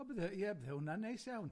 O bydde, ie, bydde hwnna'n neis iawn.